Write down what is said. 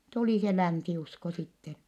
tuli se länsiusko sitten